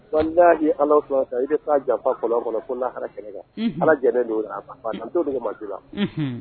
N ala i bɛ taa janfalɔn kɔnɔ kɛnɛ jɛnɛ ma la